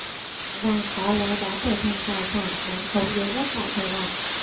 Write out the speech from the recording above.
vàng có lẽ đã trở thành tài sản bán khống dễ nhất mọi thời đại